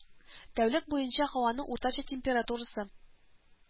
Тәүлек буена һаваның уртача температурасы